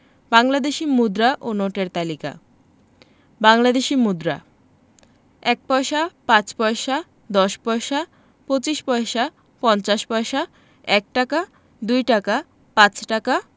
বাংলাদেশি মুদ্রা ও নোটের তালিকা বাংলাদেশি মুদ্রা ১ পয়সা ৫ পয়সা ১০ পয়সা ২৫ পয়সা ৫০ পয়সা ১ টাকা ২ টাকা ৫ টাকা